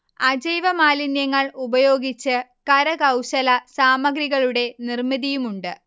അജൈവ മാലിന്യങ്ങൾ ഉപയോഗിച്ച് കരകൗശല സാമഗ്രികളുടെ നിർമിതിയുമുണ്ട്